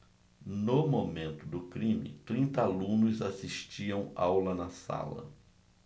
no momento do crime trinta alunos assistiam aula na sala